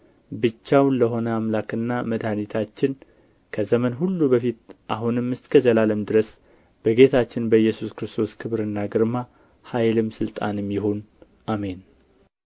ብቻውን ለሆነ አምላክና መድኃኒታችን ከዘመን ሁሉ በፊት አሁንም እስከ ዘላለምም ድረስ በጌታችን በኢየሱስ ክርስቶስ ክብርና ግርማ ኃይልም ሥልጣንም ይሁን አሜን